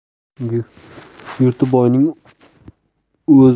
yurti boyning o'zi boy